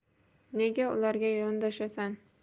nega ularga yondashasan